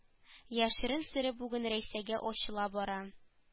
Яшерен сере бүген рәйсәгә ачыла бара